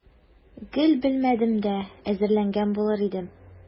Гел белмәдем дә, әзерләнгән булыр идем.